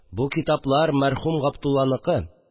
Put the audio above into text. Бу китаплар мәрхүм Габдулланыкы